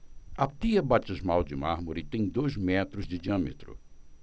a pia batismal de mármore tem dois metros de diâmetro